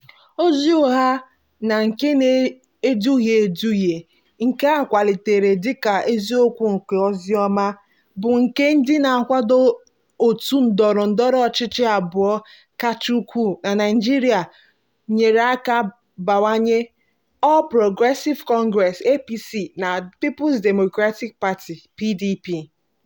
Ozi ụgha na nke na-eduhie eduhie, nke a kwalitere dị ka eziokwu nke oziọma, bụ nke ndị na-akwado òtù ndọrọ ndọrọ ọchịchị abụọ kacha ukwu na Naịjirịa nyere aka bawanye: All Progressive Congress (APC) na People's Democratic Party (PDP).